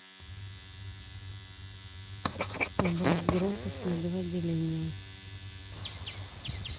убавь громкость на два деления